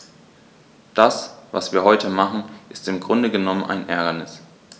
Das, was wir heute machen, ist im Grunde genommen ein Ärgernis.